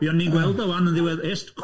By' o'n ni'n gweld o ŵan yn ddiwedd- Est Cwm.